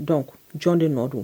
Dɔn jɔn de nɔ don ?